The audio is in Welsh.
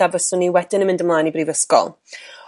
fyswn i wedyn yn mynd ymlaen i brifysgol